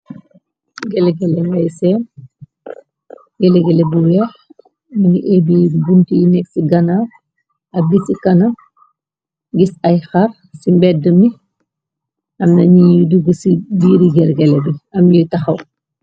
gélgele mbay seem gélegéle bu wee mungi ébir buntiy nekk ci ganaw ak bi ci kana gis ay xar ci mbédd mi amna ñuy dugg ci biiri gélgélé bi am yuy taxaw